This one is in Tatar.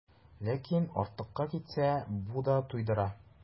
Ләкин артыкка китсә, бу да туйдыра.